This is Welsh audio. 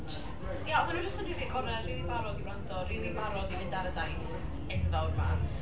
Jyst, ia oeddan nhw jyst yn rili agored, rili barod i wrando. Rili barod i fynd ar y daith enfawr 'ma.